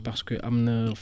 parce que am na